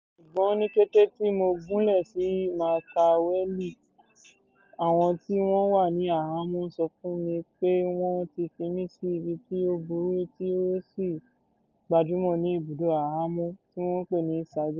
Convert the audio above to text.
Ṣùgbọ́n ní kété tí mo gúnlẹ̀ sí Maekelawi, àwọn tí wọ́n wà ní àhámọ́ sọ fún mi pé wọ́n ti fi mí sí ibi tí ó burú tí ó sì gbajúmò ní ibùdó àhámọ́, tí wọn ń pè ní "Siberia".